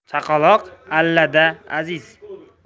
chaqaloq allada aziz